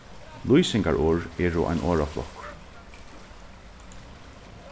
lýsingarorð eru ein orðaflokkur